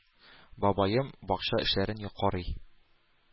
Бабаем бакча эшләрен карый.